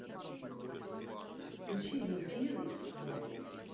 включи земфира искала